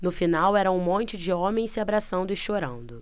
no final era um monte de homens se abraçando e chorando